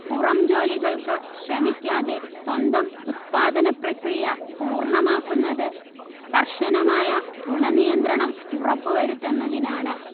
പുറം ജോലികൾക്ക് ശ്രമിക്കാതെ സ്വന്തം ഉത്പാദന പ്രക്രിയ പൂർണമാക്കുന്നത് കർശനമായ ഗുണ നിയന്ത്രണം ഉറപ്പു വരുത്തുന്നതിനാണ്